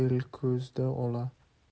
el ko'zida ola